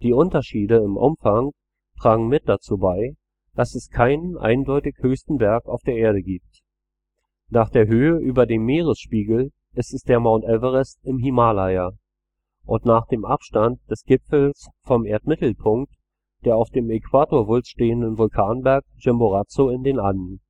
Unterschiede im Umfang tragen mit dazu bei, dass es keinen eindeutig höchsten Berg auf der Erde gibt. Nach der Höhe über dem Meeresspiegel ist es der Mount Everest im Himalaya und nach dem Abstand des Gipfels vom Erdmittelpunkt der auf dem Äquatorwulst stehende Vulkanberg Chimborazo in den Anden